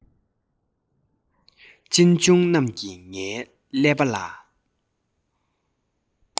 གཅེན གཅུང རྣམས ཀྱིས ངའི ཀླད པ ལ